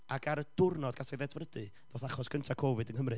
ac ar y diwrnod gath o ei ddedfrydu, ddoth achos cynta Covid yng Nghymru,